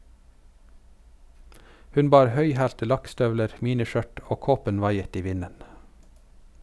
Hun bar høyhælte lakkstøvler, miniskjørt, og kåpen vaiet i vinden.